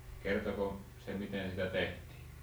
kertoiko se miten sitä tehtiin